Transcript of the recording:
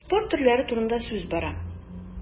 Спорт төрләре турында сүз бара.